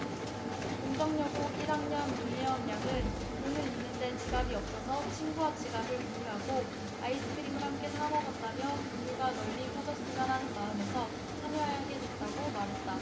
동덕여고 일 학년 문예원 양은 돈은 있는데 지갑이 없어서 친구와 지갑을 공유하고 아이스크림을 함께 사먹었다며 공유가 널리 퍼졌으면 하는 마음에서 참여하게 됐다고 말했다